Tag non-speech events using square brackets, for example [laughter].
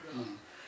[hesitation] [hesitation]